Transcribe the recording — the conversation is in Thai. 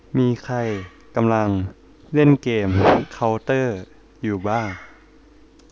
มีใครกำลังเล่นเกมเค้าเตอร์อยู่บ้าง